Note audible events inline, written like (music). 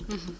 (hesitation) (hesitation)